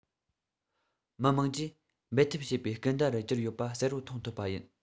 མི དམངས ཀྱིས འབད འཐབ བྱེད པའི སྐུལ བརྡ རུ གྱུར ཡོད པ གསལ པོར མཐོང ཐུབ པ ཡིན